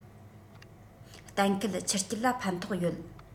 གཏན འཁེལ ཆུ རྐྱལ ལ ཕན ཐོགས ཡོད